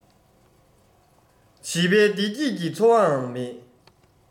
བྱིས པའི བདེ སྐྱིད ཀྱི འཚོ བའང མེད